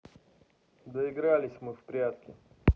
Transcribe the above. доигрались мы в прятки